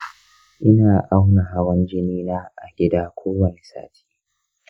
ina auna hawan jini na a gida kowane sati.